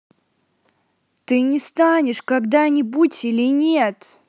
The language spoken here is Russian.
ты не станешь когда нибудь или нет